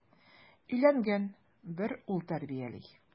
Өйләнгән, бер ул тәрбияли.